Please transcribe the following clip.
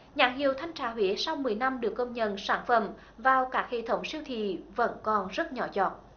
nhãn hiệu thanh trà huế sau mười năm được công nhận sản phẩm vào các hệ thống siêu thị vẫn còn rất nhỏ giọt